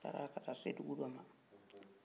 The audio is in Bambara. u taara ka ta se dugu don ma